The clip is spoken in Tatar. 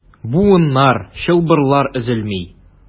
Буыннар, чылбырлар өзелми.